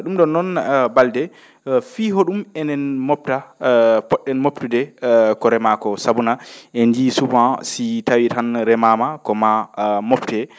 ?um ?oon noon Balde fii ho?um enen mobta pot?en pobtude ko remaa koo sabuna en njiyii souvent si tawii ran remaama ko maa mobtee